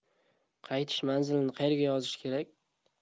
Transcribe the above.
qaytish manzilini qayerga yozish kerak